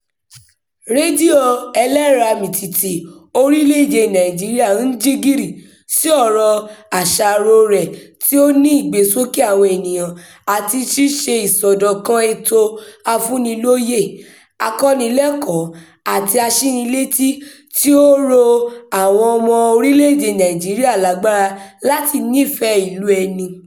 Rédíò ẹlẹ́rọ-amìtìtì orílẹ̀-èdèe Nàìjíríà ń jí gìrì sí ọ̀rọ̀ àṣàròo rẹ̀ tí ó ní ìgbésókè àwọn ènìyàn àti ṣíṣe ìsọdọ̀kan ètò afúnilóye, akọ́nilẹ́kọ̀ọ́ àti aṣínilétí tó ń ró àwọn ọmọ orílẹ̀-èdèe Nàìjíríà lágbára láti ní ìfẹ́ ìlú ẹni.